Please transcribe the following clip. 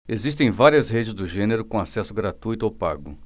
existem várias redes do gênero com acesso gratuito ou pago